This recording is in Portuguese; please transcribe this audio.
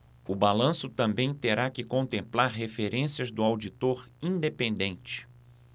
o balanço também terá que contemplar referências do auditor independente